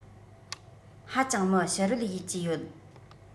ཧ ཅང མི ཕྱི རོལ ཡུལ གྱི ཡོད